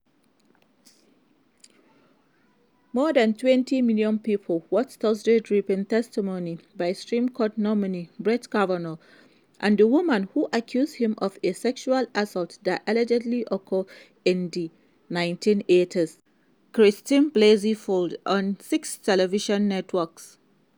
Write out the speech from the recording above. More than 20 million people watched Thursday's gripping testimony by Supreme Court nominee Brett Kavanaugh and the woman who accused him of a sexual assault that allegedly occurred in the 1980s, Christine Blasey Ford, on six television networks.